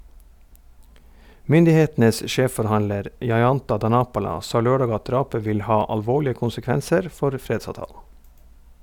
Myndighetenes sjefforhandler, Jayantha Dhanapala, sa lørdag at drapet vil ha alvorlige konsekvenser for fredsavtalen.